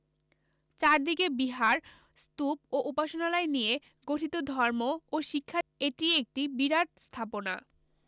চারদিকে বিহার স্তূপ ও উপাসনালয় নিয়ে গঠিত ধর্ম ও শিক্ষার এটি একটি বিরাট স্থাপনা